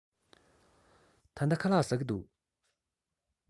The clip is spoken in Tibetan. ད ལྟ ཁ ལག ཟ གི འདུག